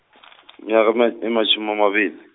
mnyakema ematjhumi amabili.